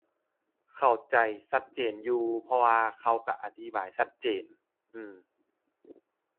เข้าใจชัดเจนอยู่ เพราะว่าเขาชัดอธิบายชัดเจน อื้อ